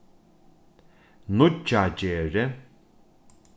nýggjagerði